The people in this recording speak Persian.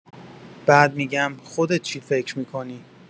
بعد می‌گم، خودت چی فکر می‌کنی؟